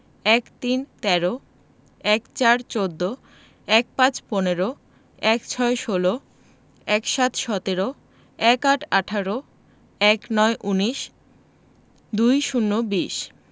১৩ তেরো ১৪ চৌদ্দ ১৫ পনেরো ১৬ ষোল ১৭ সতেরো ১৮ আঠারো ১৯ উনিশ ২০ বিশ